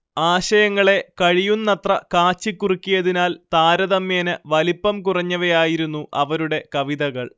ആശയങ്ങളെ കഴിയുന്നത്ര കാച്ചിക്കുറുക്കിയതിനാൽ താരതമ്യേന വലിപ്പം കുറഞ്ഞവയായിരുന്നു അവരുടെ കവിതകൾ